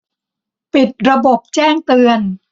ปิดระบบแจ้งเตือน